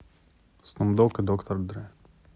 снуп дог и доктор дрэ